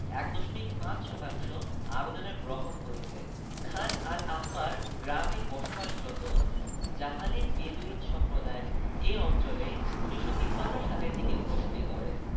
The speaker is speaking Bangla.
১.৫ শতাংশ আবেদনের গ্রহণ করেছে খান আল আহমার গ্রামে বসবাসরত জাহালিন বেদুইন সম্প্রদায় এই অঞ্চলে ১৯৫৩ সালের দিকে বসতি গড়ে